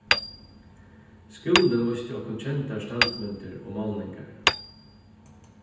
skúlin vísti okkum kendar standmyndir og málningar